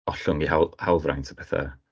Ollwng eu hawl- hawlfraint a petha.